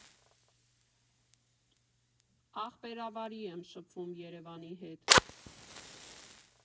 Ախպերավարի եմ շփվում Երևանի հետ։